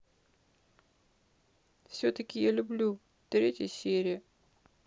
все таки я люблю третья серия